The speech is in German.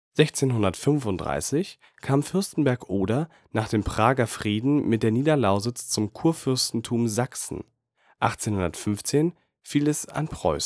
1635 kam Fürstenberg (Oder) nach dem Prager Frieden mit der Niederlausitz zum Kurfürstentum Sachsen, 1815 fiel es an Preußen